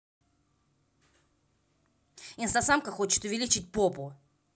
instasamka хочет увеличить попу